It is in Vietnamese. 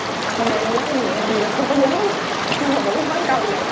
hôm nay em nhớ anh nhiều mặc dù là không có nhớ nha nhưng mà vẫn nói câu vậy